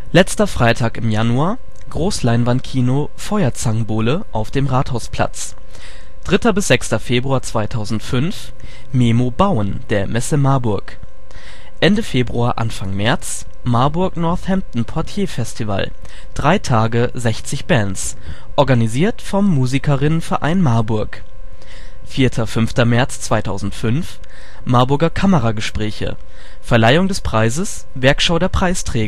letzter Freitag im Januar: Großleinwandkino " Feuerzangenbowle " auf dem Rathausplatz 3.-6. Februar 2005 " Memo Bauen " der Messe Marburg Ende Februar / Anfang März: " Marburg Northampton Poitiers Festival " (3 Tage 60 Bands) organisiert vom Musiker (innen) verein Marburg 4. / 5. März 2005 " Marburger Kameragespräche " (Verleihung des Preises, Werkschau der Preisträger